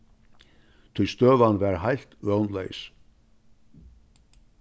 tí støðan var heilt vónleys